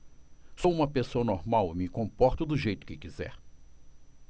sou homossexual e me comporto do jeito que quiser